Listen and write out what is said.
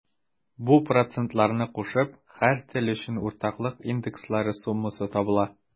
Бу процентларны кушып, һәр тел өчен уртаклык индекслары суммасы табыла.